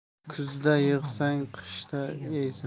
kuzda yig'sang qishda yeysan